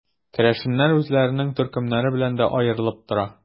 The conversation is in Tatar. Керәшеннәр үзләренең төркемнәре белән дә аерылып тора.